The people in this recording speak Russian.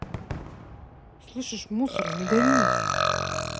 слышишь мусор не гони